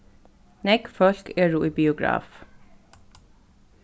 nógv fólk eru í biograf